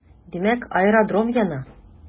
Димәк, аэродром яна.